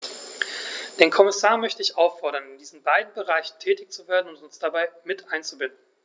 Den Kommissar möchte ich auffordern, in diesen beiden Bereichen tätig zu werden und uns dabei mit einzubinden.